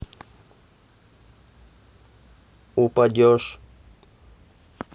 упадешь